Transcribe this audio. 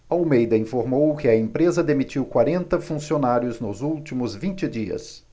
almeida informou que a empresa demitiu quarenta funcionários nos últimos vinte dias